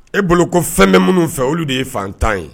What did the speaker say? E boloko ko fɛn bɛ minnu fɛ olu de ye fantan ye